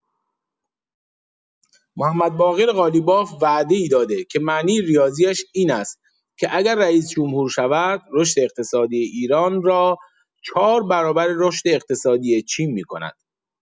محمدباقر قالیباف وعده‌ای داده که معنی ریاضیش این است که اگر رئیس‌جمهور شود رشد اقتصادی ایران را چهار برابر رشد اقتصادی چین می‌کند.